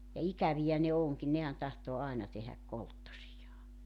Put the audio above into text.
ja ikäviä ne onkin nehän tahtoo aina tehdä kolttosiaan